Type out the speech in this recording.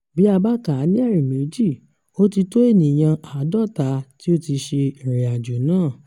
Bí a bá kà á ní ẹníméjì, ó ti tó ènìyàn 500 tí ó ti ṣe ìrìnàjò náà.